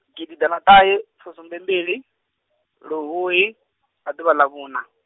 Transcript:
gidiḓaṱahefusumbembili, luhuhi, nga ḓuvha ḽa vhuna.